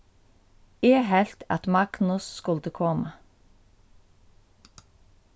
eg helt at magnus skuldi koma